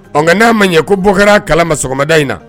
Nka ka n'a ma ɲɛ ko bɔ kɛra a kala ma sɔgɔmada in na